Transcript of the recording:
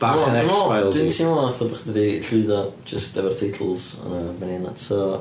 Bach yn X-File-sy... Dwi'n meddwl... Dwi'n meddwl... Dwi'n teimlo fatha bo' chdi 'di llwyddo jyst efo'r teitls ar ben eu hunan so...